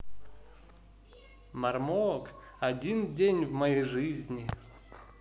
marmok один день в моей жизни